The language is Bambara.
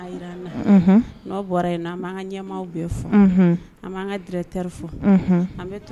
B'an an b'an ka an bɛ